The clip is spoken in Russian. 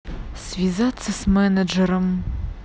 связаться с менеджером